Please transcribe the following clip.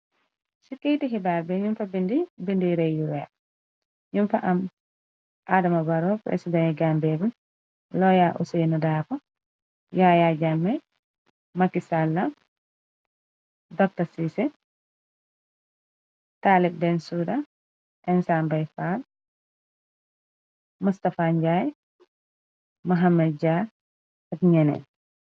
Si keyti xibaar be ñum fa bindi bindi rëy yu weex, ñum fa am Adama Baro presideni Gambiya,,looya Ousainu Darbo, Yaaya Jamme, Maky Salla, Dr. Sise, Talib Bensuda, Ensa Mbay Faal, Mustafa Njai, Muhammed Jaa ak ñeneen.